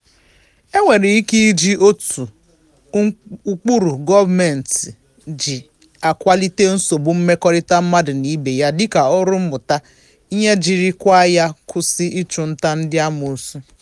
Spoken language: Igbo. E nwere ike iji otu ụkpụrụ gọọmentị ji akwalite nsogbu mmekọrịta mmadụ na ibe ya dịka ọrụ mmụta ihe jiri kwa ya kwụsị ịchụnta ndị amoosu.